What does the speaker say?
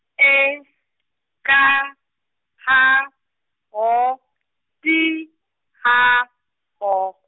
E, K, H, O, T, H, O.